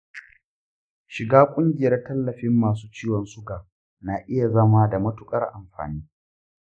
shiga ƙungiyar tallafin masu ciwon suga na iya zama da matuƙar amfani.